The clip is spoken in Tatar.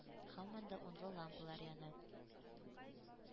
Һаман да унлы лампалар яна.